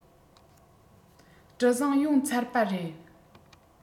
གྲུ གཟིངས ཡོངས ཚར པ རེད